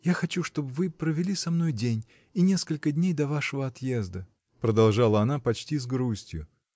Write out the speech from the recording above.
— Я хочу, чтоб вы провели со мной день, и несколько дней до вашего отъезда, — продолжала она почти с грустью.